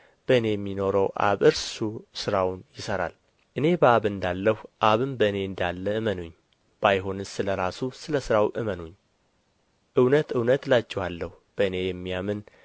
በእኔ የሚኖረው አብ እርሱ ሥራውን ይሠራል እኔ በአብ እንዳለሁ አብም በእኔ እንዳለ እመኑኝ ባይሆንስ ስለ ራሱ ስለ ሥራው እመኑኝ እውነት እውነት እላችኋለሁ በእኔ የሚያምን